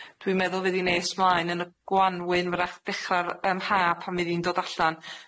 Dwi'n meddwl fydd 'i'n nes mlaen yn y gwanwyn, 'w'rach dechra'r yym ha' pan fydd 'i'n dod allan,